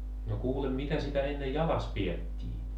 no kuule mitä sitä ennen jalassa pidettiin